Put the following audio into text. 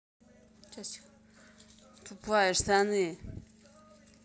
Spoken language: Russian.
тупая штаны